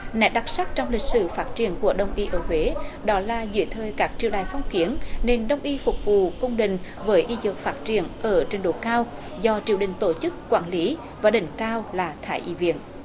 nét đặc sắc trong lịch sử phát triển của đông y ở huế đó là dưới thời các triều đại phong kiến nên đông y phục vụ cung đình với y dược phát triển ở trình độ cao do triều đình tổ chức quản lý và đỉnh cao là thái y viện